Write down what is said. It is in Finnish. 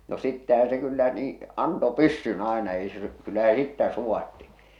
no sittenhän se kyllä niin antoi pyssyn aina ei se kyllä se sitten sulatti